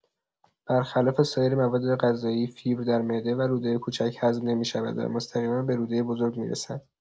برخلاف سایر موادغذایی، فیبر در معده و روده کوچک هضم نمی‌شود و مستقیما به روده بزرگ می‌رسد.